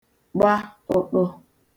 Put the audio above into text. gba ụṭụ̄